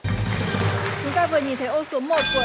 chúng ta vừa nhìn thấy ô số một của